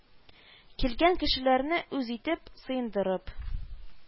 Килгән кешеләрне үз итеп, сыендырып